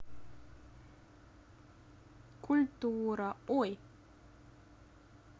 культура ой